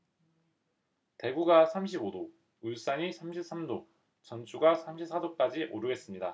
대구가 삼십 오 도 울산이 삼십 삼 도 전주가 삼십 사 도까지 오르겠습니다